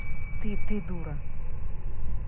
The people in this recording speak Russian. ты ты дура